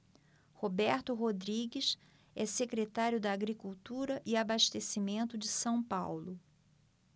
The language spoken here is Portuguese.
roberto rodrigues é secretário da agricultura e abastecimento de são paulo